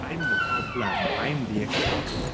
I'm the problem. I'm the issue.